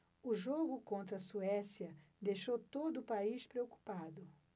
o jogo contra a suécia deixou todo o país preocupado